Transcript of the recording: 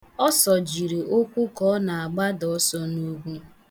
Ọ sọjiri ụkwụ ka ọ na-agbada ọsọ n'ugwu.